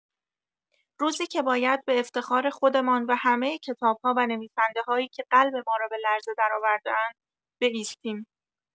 روزی که باید به افتخار خودمان و همه کتاب‌ها و نویسنده‌‌هایی که قلب ما را به لرزه درآورده‌اند بایستیم.